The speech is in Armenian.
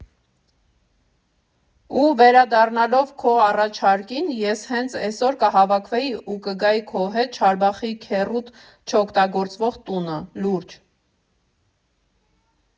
֊ Ու վերադառնալով քո առաջարկին՝ ես հենց էսօր կհավաքվեի ու կգայի քո հետ Չարբախի քեռուդ չօգտագործվող տունը, լուրջ։